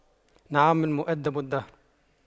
نعم المؤَدِّبُ الدهر